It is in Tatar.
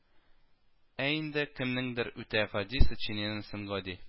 Ә инде кемнеңдер үтә гади сочинениесен гади